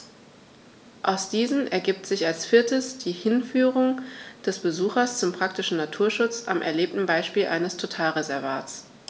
Aus diesen ergibt sich als viertes die Hinführung des Besuchers zum praktischen Naturschutz am erlebten Beispiel eines Totalreservats.